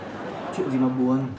chuyện gì mà buồn